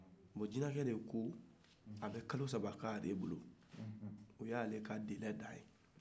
bon jinace de ko a bɛ kalo saba k'ale bolo o ye ale ka delai dan ye